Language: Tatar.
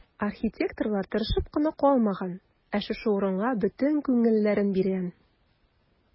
Архитекторлар тырышып кына калмаган, ә шушы урынга бөтен күңелләрен биргән.